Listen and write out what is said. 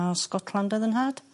...o Scotland o'dd 'yn nhad.